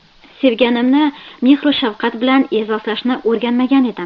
sevganimni mehru shafqat bilan e'zozlashni o'rganmagan edim